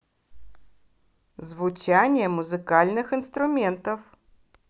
звучание музыкальных инструментов